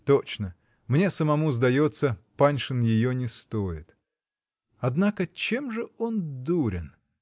Точно, мне самому сдается, Паншин ее не стоит. Однако чем же он дурен?